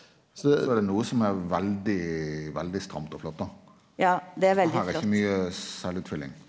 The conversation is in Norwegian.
så er det noko som er veldig veldig stramt og flott då er ikkje mykje sjølvutfylling.